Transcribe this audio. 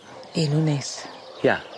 Enw neis. Ia.